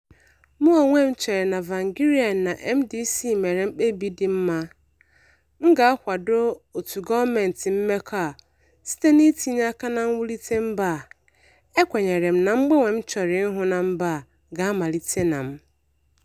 Mụ onwe m chere na Tsvangirai na MDC mere mkpebi dị mma. M ga-akwado òtù gọọmentị mmekọ a site n'itinye aka na mwulite mba a, e kwenyere m na mgbanwe m chọrọ ịhụ na mba a ga-amalite na mụ.